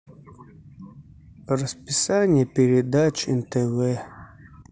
расписание передач нтв